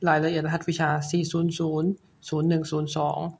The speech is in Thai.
รายละเอียดรหัสวิชาสี่ศูนย์ศูนย์ศูนย์หนึ่งศูนย์สอง